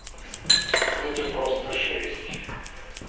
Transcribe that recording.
это просто жесть